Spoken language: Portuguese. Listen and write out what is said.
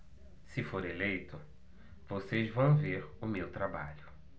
se for eleito vocês vão ver o meu trabalho